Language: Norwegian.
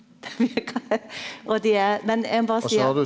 og dei er men eg må berre seie at.